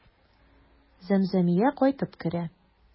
Зәмзәмия кайтып керә.